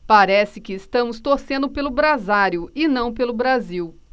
parece que estamos torcendo pelo brasário e não pelo brasil